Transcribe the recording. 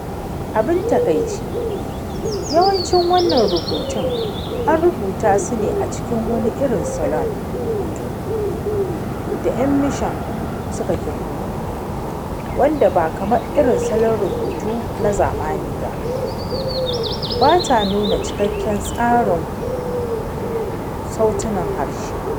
Abin takaici, yawancin wannan rubutun an rubuta su ne a cikin wani irin salon rubutu da 'yan mishan suka ƙirƙiro , wanda ba kamar irin salon rubutu na zamani ba, ba ta nuna cikakken tsarin sautunan harshe.